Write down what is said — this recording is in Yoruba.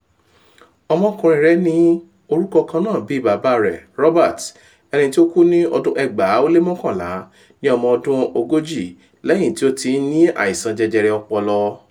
Ọmọkùnrin rẹ̀ ní orúkọ kannáà bíi bàbà rẹ̀ Robert, ẹnití ó kú ní 2011 ní ọmọ ọdún 40 lẹ́yìn tí ó ti ní àìsàn jẹjẹrẹ ọpọlọ.